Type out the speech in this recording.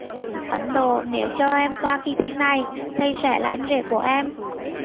ấn độ nếu cho em qua kì thi này thầy sẽ là anh rể của em